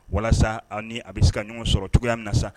Walasa aw ni a bɛ se ka ɲɔgɔn sɔrɔ cogoya min na sa